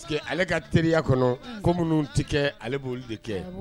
Parce que ale ka teriya kɔnɔ ko minnu tɛ kɛ ale bɛ wuli de kɛ